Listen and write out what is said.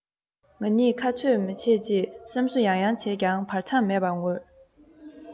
ང གཉིས ཁ རྩོད མི བྱེད ཅེས སེམས གསོ ཡང ཡང བྱས ཀྱང བར མཚམས མེད པར ངུས